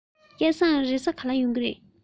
སྐལ བཟང རེས གཟའ ག པར ཡོང གི རེད